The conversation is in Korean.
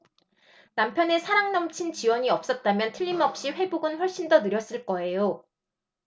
남편의 사랑 넘친 지원이 없었다면 틀림없이 회복은 훨씬 더 느렸을 거예요